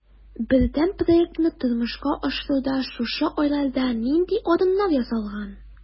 Бердәм проектны тормышка ашыруда шушы айларда нинди адымнар ясалган?